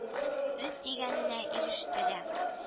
Үз дигәненә иреште дә